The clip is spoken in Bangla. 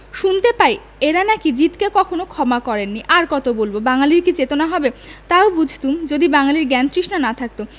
শুনতে পাই এঁরা নাকি জিদকে কখনো ক্ষমা করেন নি আর কত বলব বাঙালীর কি চেতনা হবে তাও বুঝতুম যদি বাঙালীর জ্ঞানতৃষ্ণা না থাকত